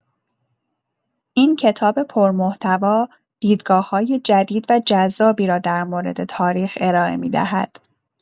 این کتاب پرمحتوا، دیدگاه‌های جدید و جذابی را در مورد تاریخ ارائه می‌دهد.